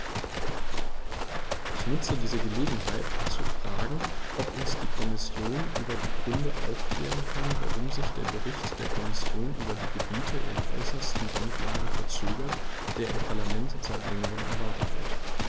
Ich nutze diese Gelegenheit, um zu fragen, ob uns die Kommission über die Gründe aufklären kann, warum sich der Bericht der Kommission über die Gebiete in äußerster Randlage verzögert, der im Parlament seit längerem erwartet wird.